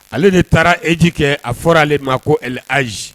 Ale de taara eji kɛ a fɔra ale ma ko ali az